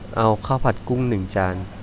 เอาข้าวผัดกุ้งหนึ่งจาน